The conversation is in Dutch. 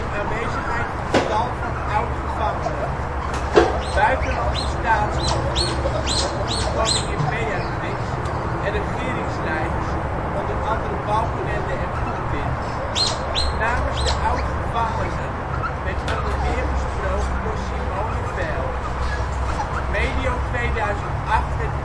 aanwezigheid van tal van oud-gevangenen, buitenlandse staatshoofden (waaronder koningin Beatrix) en regeringsleiders (onder andere Balkenende en Poetin). Namens de oud-gevangenen werd onder meer gesproken door Simone Veil. Medio 2008 werd bekendgemaakt